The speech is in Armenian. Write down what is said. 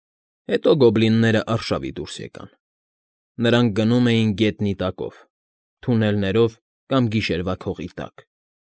Հետո գոբլիններն արշավի դուրս եկան։ Նրանք գնում էին գետնի տակով, թունելներով կամ գիշերվա քողի տակ։